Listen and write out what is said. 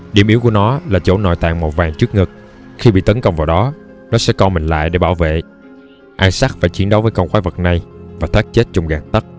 điểm yếu của nó là chỗ nội tạng màu vàng trước ngực khi bị tấn công vào đó nó sẽ co mình lại để bảo vệ isaac phải chiến đấu với con quái vật này và thoát chết trong gang tấc